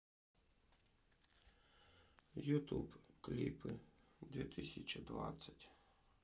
ютуб клипы две тысячи двадцать